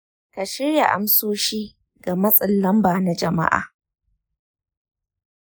ka shirya amsoshi ga matsin lamba na jama’a.